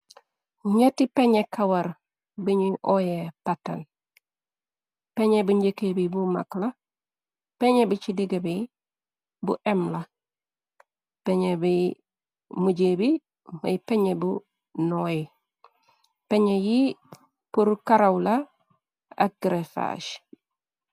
Nyati panye kawar biñuy oye patan panye bi njëkkee bi bu magla panye bi ci diggabi bu em la panye bi mujjee bi moy panye bu nooy panye yi pur karawla ak grefage.